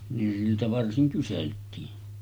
niin siltä varsin kyseltiin